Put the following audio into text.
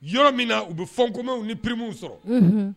Yɔrɔ min na u bɛ fonds communs ni primes sɔrɔ, unhun.